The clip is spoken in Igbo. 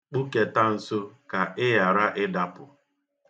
Kpụketa nso ka i ghara ịdapụ.